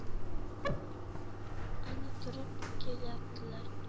ana turib kelyaptilar